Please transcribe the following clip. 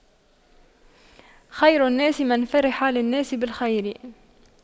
خير الناس من فرح للناس بالخير